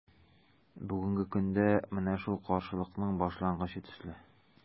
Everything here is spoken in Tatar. Бүгенге көндә – менә шул каршылыкның башлангычы төсле.